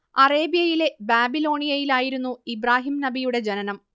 അറേബ്യയിലെ ബാബിലോണിയയിലായിരുന്നു ഇബ്രാഹിം നബിയുടെ ജനനം